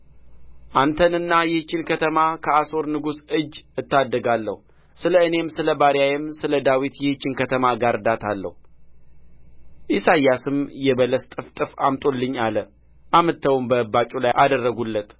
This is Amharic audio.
አንተንና ይህችን ከተማ ከአሦር ንጉሥ እጅ እታደጋለሁ ስለ እኔም ስለ ባሪያዬም ስለ ዳዊት ይህችን ከተማ እጋርዳታለሁ ኢሳይስም የበለስ ጥፍጥፍ አምጡልኝ አለ አምጥተውም በእባጩ ላይ አደርጉለት